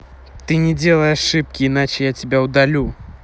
ты не делай ошибки иначе я тебя удалю